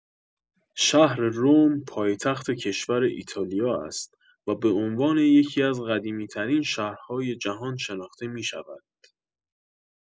شهر رم پایتخت کشور ایتالیا است و به عنوان یکی‌از قدیمی‌ترین شهرهای جهان شناخته می‌شود.